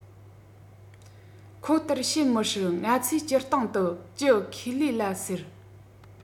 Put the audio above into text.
ཁོ ལྟར བྱེད མི སྲིད ང ཚོས སྤྱིར བཏང དུ གྱི ཁེ ལས ལ ཟེར